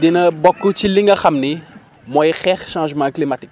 dina bokk ci li nga xam ni mooy xeex changement climatique